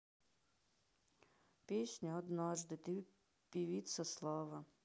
песня однажды ты певица слава